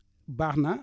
baax na